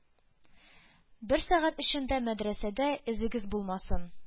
Бер сәгать эчендә мәдрәсәдә эзегез булмасын!